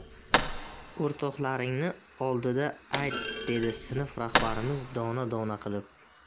o'rtoqlaringni oldida ayt dedi sinf rahbarimiz dona dona qilib